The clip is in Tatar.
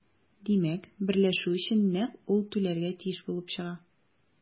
Димәк, берләшү өчен нәкъ ул түләргә тиеш булып чыга.